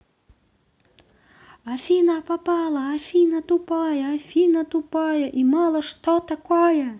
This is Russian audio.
афина попала афина тупая афина тупая и мало что такое